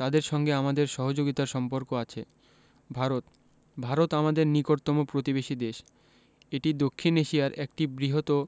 তাদের সঙ্গে আমাদের সহযোগিতার সম্পর্ক আছে ভারত ভারত আমাদের নিকটতম প্রতিবেশী দেশএটি দক্ষিন এশিয়ার একটি বৃহৎ ও